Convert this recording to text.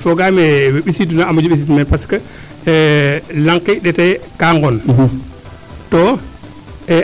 fogaame we ɓisiiduna a moƴo ɓisiidin meen parce que laŋ ke i ndeeta yee kaa ŋon to